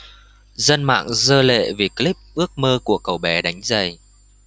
dân mạng rơi lệ vì clip ước mơ của cậu bé đánh giày